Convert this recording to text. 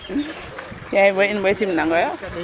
yaoy boy in mboy simnangooyo .